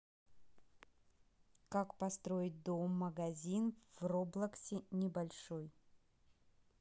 как построить дом магазин в роблоксе небольшой